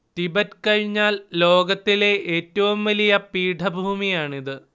Tibet കഴിഞ്ഞാൽ ലോകത്തിലെ ഏറ്റവും വലിയ പീഠഭൂമിയാണിത്